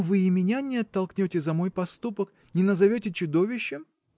– Вы и меня не оттолкнете за мой поступок, не назовете чудовищем?